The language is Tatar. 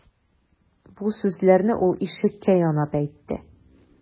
Бу сүзләрне ул ишеккә янап әйтте.